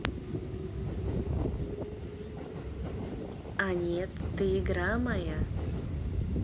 а нет ты игра моя